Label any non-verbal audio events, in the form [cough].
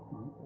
[hesitation] [hesitation]